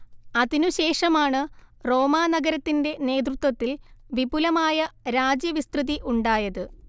അതിനുശേഷമാണ് റോമാനഗരത്തിന്റെ നേതൃത്വത്തിൽ വിപുലമായ രാജ്യവിസ്തൃതി ഉണ്ടായത്